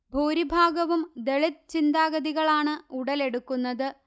ഭൂരിഭാഗവും ദളിത് ചിന്താഗതികളാണ് ഉടലെടുക്കുന്നത്